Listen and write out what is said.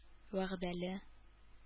Вәгъдәле